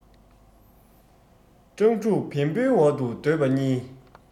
སྤྲང ཕྲུག བེམ པོའི འོག ཏུ སྡོད པ གཉིས